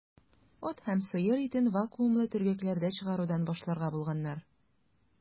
Ат һәм сыер итен вакуумлы төргәкләрдә чыгарудан башларга булганнар.